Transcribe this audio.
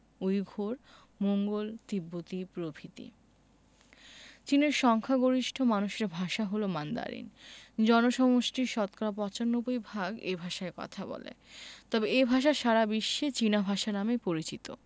Uyghur Mongol তিব্বতি প্রভৃতি চীনের সংখ্যাগরিষ্ঠ মানুষের ভাষা হলো মান্দারিন জনসমষ্টির শতকরা ৯৫ ভাগ এ ভাষায় কথা বলে তবে এ ভাষা সারা বিশ্বে চীনা ভাষা নামে পরিচিত